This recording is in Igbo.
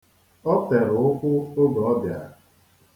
Ọ tere ụkwụ oge ọ bịara.